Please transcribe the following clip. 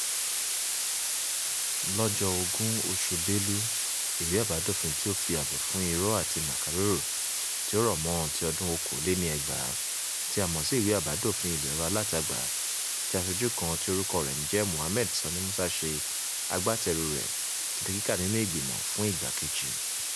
Lọ́jọ́ 20 oṣù Belu, Ìwé Àbádòfin tí ó fi Ààbò fún Irọ́ àti Màkàrúrù tí ó rọ̀ mọ́ ọn ti ọdún-un 2019, tí a mọ̀ sí "ìwé àbádòfin ìlò ẹ̀rọ alátagbà", tí Aṣojú kan tí orúkọ rẹ̀ ń jẹ́ Mohammed Sani Musa ṣe agbátẹrùu rẹ̀, ti di kíkà nínú ìgbìmọ̀ fún ìgbà kejì.